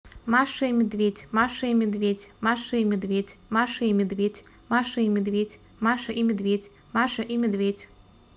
маша и медведь маша и медведь маша и медведь маша и медведь маша и медведь маша и медведь маша и медведь